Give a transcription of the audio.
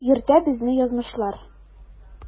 Йөртә безне язмышлар.